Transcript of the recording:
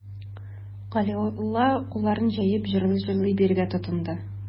Галиулла, кулларын җәеп, җырлый-җырлый биергә тотынды.